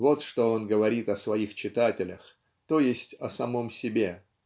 Вот что он говорит о своих читателях, т. е. о самом себе